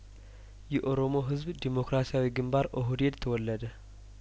የኦሮሞ ህዝብ ዴሞክራሲያዊ ግንባር ኦህዴድ ተወለደ